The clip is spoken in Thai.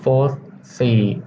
โฟธสี่